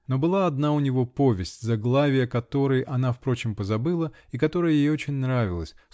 Но была одна у него повесть, заглавие которой она, впрочем, позабыла и которая ей очень нравилась